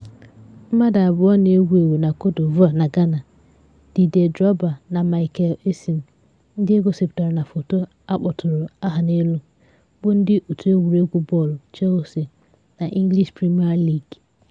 Mmadụ abụọ na-ewu ewu na Côte d'Ivoire na Ghana, Didier Drogba na Michael Essien (ndị e gosịpụtara na foto a kpọtụrụ aha n'elu) bụ ndị òtù egwuregwu bọọlụ Chelsea n'English Premier League.